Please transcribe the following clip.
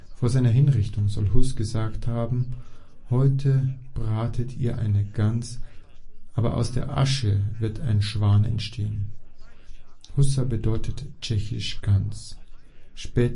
Vor seiner Hinrichtung soll Hus gesagt haben: „ Heute bratet ihr eine Gans, aber aus der Asche wird ein Schwan entstehen “. Husa bedeutet tschechisch Gans. Später